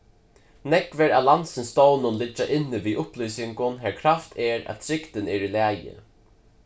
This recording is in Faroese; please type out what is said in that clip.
nógvir av landsins stovnum liggja inni við upplýsingum har kravt er at trygdin er í lagi